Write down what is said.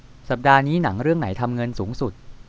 สัปดาห์นี้หนังเรื่องไหนทำเงินสูงสุด